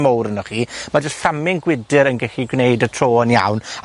mowr arnoch chi. Ma' jyst fframyn gwydyr yn gellu gwneud y tro yn iawn, a